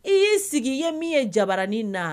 I y'i sigi i ye min ye jabarani na